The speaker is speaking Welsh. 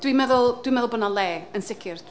Dwi'n meddwl dwi'n meddwl bod 'na le yn sicr.